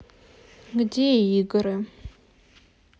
где игры